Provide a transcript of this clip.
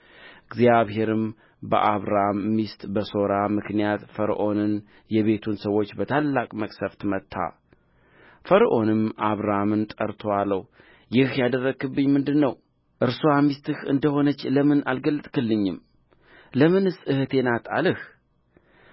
እግዚአብሔርም በአብራም ሚስት በሦራ ምክንያት ፈርዖንንና የቤቱን ሰዎች በታላቅ መቅሠፍት መታ ፈርዖንም አብራምን ጠርቶ አለው ይህ ያደረግህብኝ ምንድር ነው እርስዋ ሚስትህ እንደ ሆነች ለምን አልገለጥህልኝም ለምንስ እኅቴ ናት አልህ